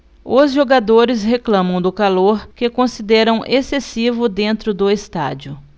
os jogadores reclamam do calor que consideram excessivo dentro do estádio